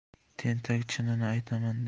tentak chinini aytaman